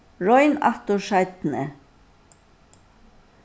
royn aftur seinni